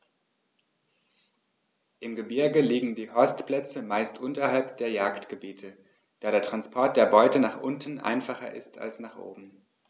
Im Gebirge liegen die Horstplätze meist unterhalb der Jagdgebiete, da der Transport der Beute nach unten einfacher ist als nach oben.